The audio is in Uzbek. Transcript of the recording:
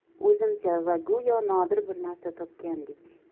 o'zimcha va go'yo nodir bir narsa topgandek